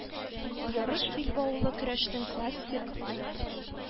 Ярыш билбаулы көрәшнең классик